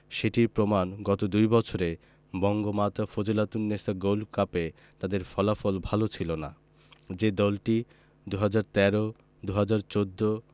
সেটির প্রমাণ গত দুই বছরে বঙ্গমাতা ফজিলাতুন্নেছা গোল্ড কাপে তাদের ফলাফল ভালো ছিল না যে দলটি ২০১৩ ২০১৪